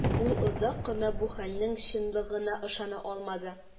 Ул озак кына бу хәлнең чынлыгына ышана алмады.